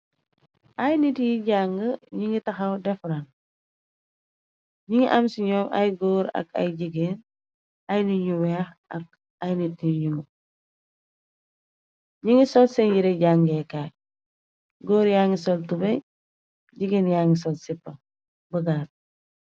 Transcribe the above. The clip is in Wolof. Aiiy nitt yii jangu njungy takhaw def rang, njungy am cii njom aiiy gorre ak aiiy gigain, aiiy nitt nju wekh ak aiiy nitt yu njull, njungy sol sehn yehreh jàngekaay , gorre yaangy sol tubeiyy, gigain yaangy sol zipah bu gatue.